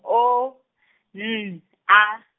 O , N A.